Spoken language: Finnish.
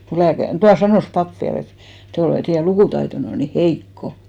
kun lääkäri tuo sanoi pappi vielä että te olette teidän lukutaitonne on niin heikko